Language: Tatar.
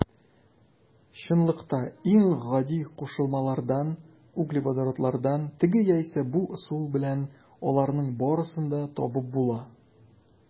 Чынлыкта иң гади кушылмалардан - углеводородлардан теге яисә бу ысул белән аларның барысын да табып була.